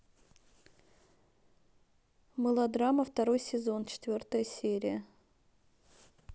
мылодрама второй сезон четвертая серия